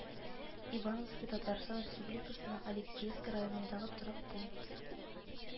Ивановский Татарстан Республикасының Алексеевск районындагы торак пункт